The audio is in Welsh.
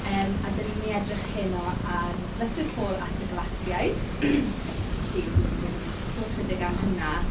Yym a dan ni'n mynd i edrych heno ar Lythyr Paul at y Galatiaid felly dwi'n mynd i fod yn sôn chydig am hynna.